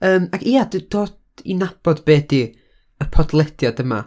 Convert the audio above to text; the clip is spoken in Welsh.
Yym, ac ia, do- dod i nabod be 'di y podlediad yma.